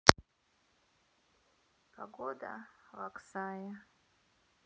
погода в аксае